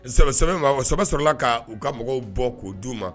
saba sɔrɔla ka u ka mɔgɔw bɔ k'o. di'u ma